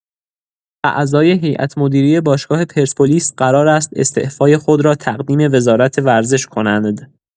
اعضای هیئت‌مدیره باشگاه پرسپولیس قرار است استعفای خود را تقدیم وزارت ورزش کنند.